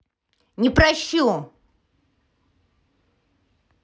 непращу